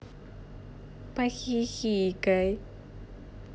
похихикай